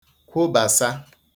kwobàsà